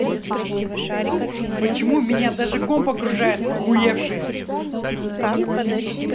почему меня даже комп окружает охуевшие